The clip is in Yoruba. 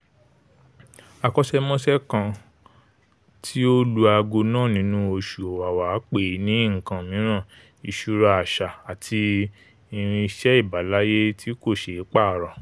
Akọ́ṣẹ́mọṣẹ́ kan tí ó lu aago náà nínú oṣù Ọ̀wàwà pè é ní nǹkan miran: ''Ìṣúra àṣà'' àti ''irin-isẹ́ ìbáláyé tí kò ṣeé pààrọ̀.''